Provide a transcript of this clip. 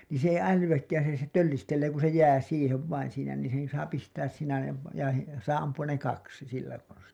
niin se ei älyäkään siinä se töllistelee kun se jää siihen vain siinä niin sen saa pistää siinä ja - ja saa ampua ne kaksi sillä konstilla